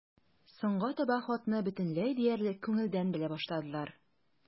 Соңга таба хатны бөтенләй диярлек күңелдән белә башладылар.